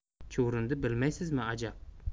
chuvrindi bilmaysizmi ajab